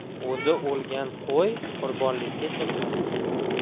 o'zi o'lgan qo'y qurbonlikka kirmas